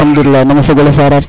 alkhadoulilah namo fogole faral